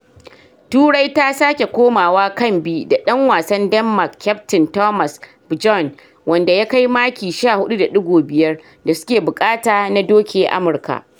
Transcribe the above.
Turai ta sake komawa kambi da dan wasan Denmark kyaftin Thomas Bjorn wanda ya kai maki 14.5 da suke buƙata na doke Amurka.